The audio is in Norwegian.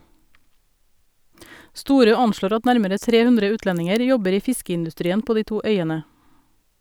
Storø anslår at nærmere 300 utlendinger jobber i fiskeindustrien på de to øyene.